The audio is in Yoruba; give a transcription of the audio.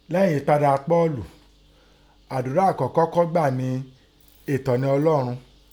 Léyìnìn ẹ̀yípadà Pọ́ọ̀lù, àdọ́rà àkọ́kọ́ kọ́ gbà ni, ẹ̀tọ́ni Ọlọ́un.